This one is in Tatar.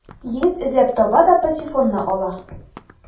Егет эзләп таба да патефонны ала.